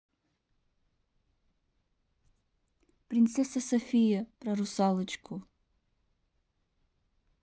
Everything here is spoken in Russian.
принцесса софия про русалочку